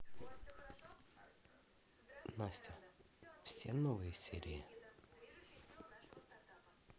настя все новые серии